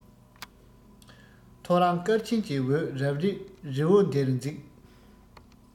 ཐོ རངས སྐར ཆེན གྱི འོད རབ རིབ རི བོ འདིར འཛེགས